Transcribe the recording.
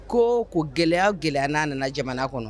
Ko ko gɛlɛyaya gɛlɛya n'a nana jamana kɔnɔ